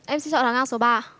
em xin chọn hàng ngang số ba